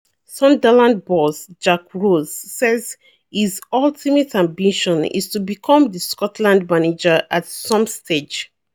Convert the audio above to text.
Sunderland boss Jack Ross says his "ultimate ambition" is to become the Scotland manager at some stage.